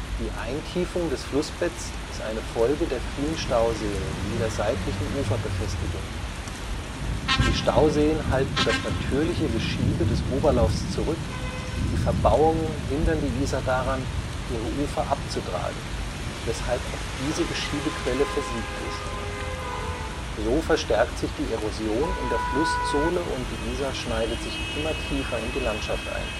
Die Eintiefung des Flussbetts ist eine Folge der vielen Stauseen wie der seitlichen Uferbefestigungen. Die Stauseen halten das natürliche Geschiebe des Oberlaufs zurück, die Verbauungen hindern die Isar daran, ihre Ufer abzutragen, weshalb auch diese Geschiebequelle versiegt ist. So verstärkt sich die Erosion in der Flusssohle und die Isar schneidet sich immer tiefer in die Landschaft ein